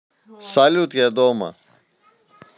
салют я дома